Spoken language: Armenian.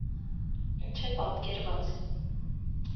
Ինչ է պատկերված։